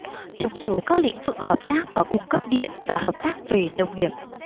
trong số các lĩnh vực hợp tác có cung cấp điện và hợp tác về nông nghiệp